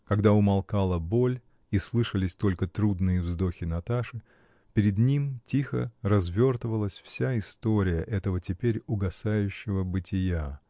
Когда умолкала боль и слышались только трудные вздохи Наташи, перед ним тихо развертывалась вся история этого, теперь угасающего бытия.